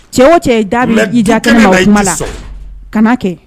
Cɛ o cɛ ye da mais i da kanama la du kɛnɛ na i ti sɔn o kuma la kan'a kɛ